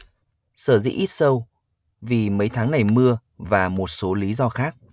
sở dĩ ít show vì mấy tháng này mưa và một số lý do khác